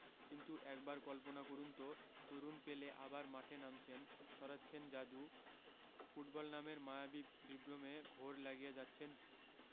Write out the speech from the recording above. কিন্তু একবার কল্পনা করুন তো তরুণ পেলে আবার মাঠে নামছেন ছড়াচ্ছেন জাদু ফুটবল নামের মায়াবী বিভ্রমে ঘোর লাগিয়ে যাচ্ছেন